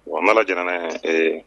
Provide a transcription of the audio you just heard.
Wa' la diyara